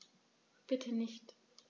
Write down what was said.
Bitte nicht.